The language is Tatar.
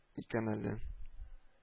Икән әле